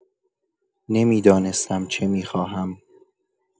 نمی‌دانستم چه می‌خواهم.